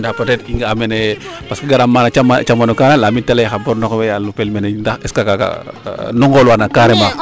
ndaa peut etre i nga'a mene parce que garaam mene camano kaana laamit de leye xa gornoxe way lupel mene est ce que kaaga no ngooy laan carrement